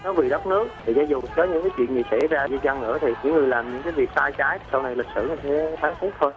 vì đất nước thì cho dù có những cái chuyện gì xảy ra đi chăng nữa thì làm những cái việc sai trái sau này lịch sử người ta phán xét thôi